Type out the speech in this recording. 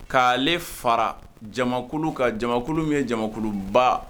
K' ale fara jama ka jamamankulu min ye jamankuluba